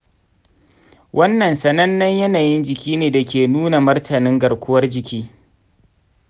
wannan sanannen yanayin jiki ne da ke nuna martanin garkuwar jiki.